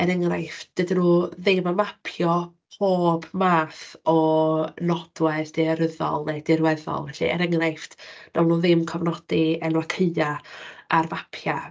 Er enghraifft, dydyn nhw ddim yn mapio pob math o nodwedd daearyddol neu dirweddol, felly er enghraifft, wnawn nhw ddim cofnodi enwau caeau ar fapiau.